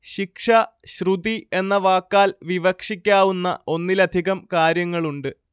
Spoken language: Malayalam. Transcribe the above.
ശിക്ഷ ശ്രുതി എന്ന വാക്കാൽ വിവക്ഷിക്കാവുന്ന ഒന്നിലധികം കാര്യങ്ങളുണ്ട്